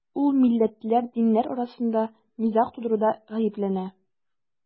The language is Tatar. Ул милләтләр, диннәр арасында низаг тудыруда гаепләнә.